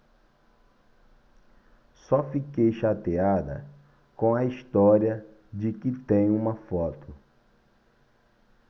só fiquei chateada com a história de que tem uma foto